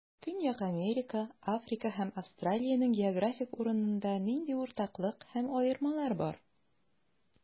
Көньяк Америка, Африка һәм Австралиянең географик урынында нинди уртаклык һәм аермалар бар?